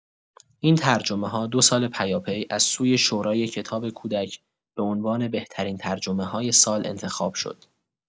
این ترجمه‌ها دو سال پیاپی از سوی شورای کتاب کودک به عنوان بهترین ترجمه‌های سال انتخاب شد.